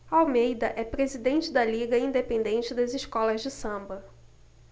almeida é presidente da liga independente das escolas de samba